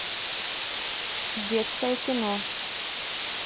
детское кино